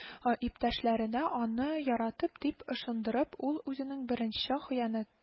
Ы иптәшләренә аны яратып дип ышандырып, ул үзенең беренче хыянәт